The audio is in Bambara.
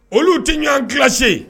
Olu tɛ ɲɔgɔn kise